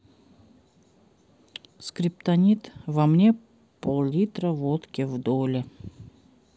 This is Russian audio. скриптонит во мне поллитра водки в доле